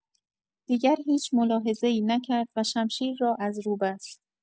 دیگر هیچ ملاحظه‌ای نکرد و شمشیر را از رو بست.